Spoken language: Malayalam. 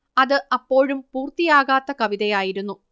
അത് അപ്പോഴും പൂർത്തിയാകാത്ത കവിതയായിരുന്നു